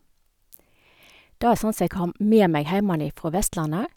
Det er sånn som jeg har med meg heimanifrå Vestlandet.